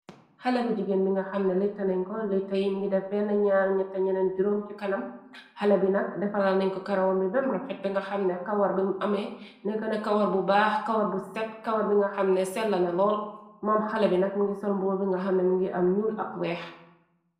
Xale bi jigeen bi nga xamne lëta nañ ko lëta.Y mi ngi def benn ñaar ñette ñeneen juróom. Ci kanam xale bi nak defara nañko karawam bi bemra fet bi nga xamne kawar bi ame ne këna kawar bu baax kawar bu set. Kawar bi nga xamne sellana lool moom. Xale bi nak mingi solmboo bi nga xamne mingi am ñuul ak weex.